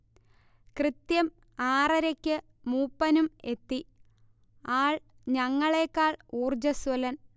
കൃത്യം ആറരക്ക് മൂപ്പനും എത്തി, ആൾ ഞങ്ങളേക്കാൾ ഊർജ്ജസ്വലൻ